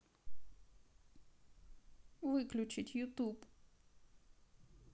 выключить ютуб